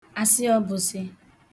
asịọbụsị